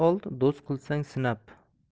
ol do'st qilsang sinab